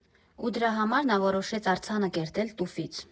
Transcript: Ու դրա համար նա որոշեց արձանը կերտել տուֆից։